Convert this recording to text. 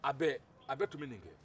a bɛɛ a bɛɛ tun bɛnin kɛ